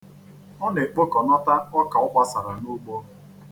Ọ na-ekpokọnata ọka ọ gbasara n'ugbo.